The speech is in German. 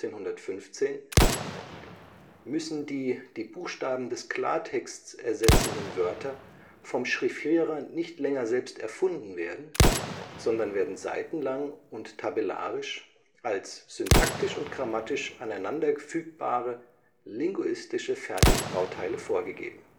1508/1515) müssen die die Buchstaben des Klartexts ersetzenden Wörter vom Chiffrierer nicht länger selbst erfunden werden, sondern werden seitenlang und tabellarisch als syntaktisch und grammatisch aneinanderfügbare linguistische Fertigbauteile vorgegeben